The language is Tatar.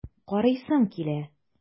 Карыйсым килә!